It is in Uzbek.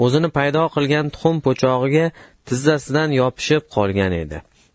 o'zini paydo qilgan tuxum po'chog'iga tizzasidan pasti yopishib qolgan edi